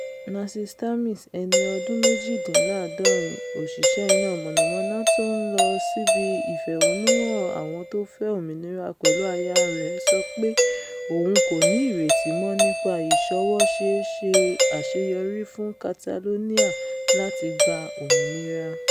Narcis Termes, ẹni ọdún méjìdíńlá́àádọ́rin, òṣìṣẹ́ iná mànàmáná tó ńlọ síbí ìfẹ̀hónúhàn àwọn tó fẹ òmìnira pẹ̀lú aya rẹ̀ sọ pé òun kòní ìrètí mọ́ nípa ìṣọwọ́ṣeéṣe àṣeyọrí fún Catalonia láti gba òmìnira.